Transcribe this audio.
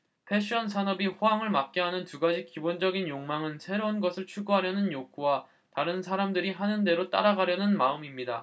패션 산업이 호황을 맞게 하는 두 가지 기본적인 욕망은 새로운 것을 추구하려는 욕구와 다른 사람들이 하는 대로 따라가려는 마음입니다